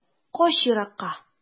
Кач еракка.